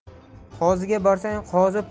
qoziga borsang qozi